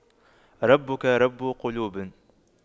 ربك رب قلوب